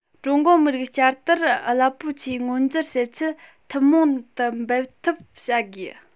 ཀྲུང ཧྭ མི རིགས བསྐྱར དར རླབས པོ ཆེ མངོན འགྱུར བྱེད ཆེད ཐུན མོང དུ འབད འཐབ བྱ དགོས